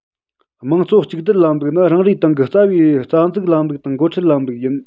དམངས གཙོ གཅིག སྡུད ལམ ལུགས ནི རང རེའི ཏང གི རྩ བའི རྩ འཛུགས ལམ ལུགས དང འགོ ཁྲིད ལམ ལུགས ཡིན